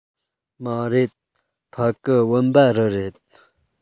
མ རེད ཕ གི བུམ པ རི རེད